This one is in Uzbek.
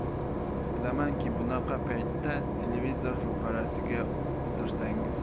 bilamanki bunaqa paytda televizor ro'parasiga o'tirsangiz